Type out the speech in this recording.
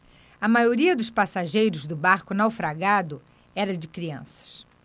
a maioria dos passageiros do barco naufragado era de crianças